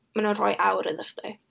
Maen nhw'n rhoi awr idda chdi.